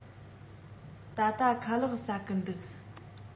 ད ལྟ ཁ ལག ཟ གི འདུག